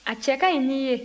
a cɛ ka ɲi n'i ye